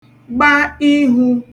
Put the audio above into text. gba ihū